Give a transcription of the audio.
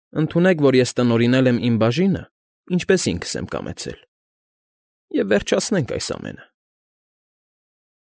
Ընդունեք, որ ես տնօրինել եմ իմ բաժինը, ինչպես ինքս եմ կամեցել, և վերջացնենք այս ամենը։ ֊